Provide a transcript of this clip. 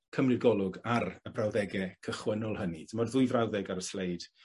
cymryd golwg ar y brawddege cychwynnol hynny, t'mod ddwy frawddeg ar y sleid